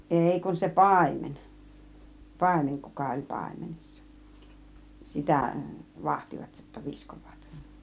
ei kun se paimen paimen kuka oli paimenessa sitä vahtivat jotta viskovat